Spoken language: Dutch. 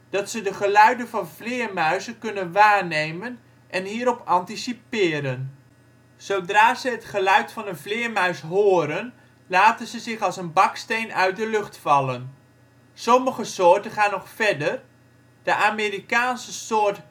dat ze de geluiden van vleermuizen kunnen waarnemen en hierop anticiperen. Zodra ze het geluid van een vleermuis horen laten ze zich als een baksteen uit de lucht vallen. Sommige soorten gaan nog verder, de Amerikaanse soort